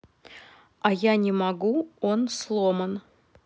а я не могу он сломан